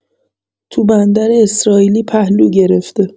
تو بندر اسرائیلی پهلو گرفته